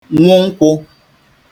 nwụ nkwụ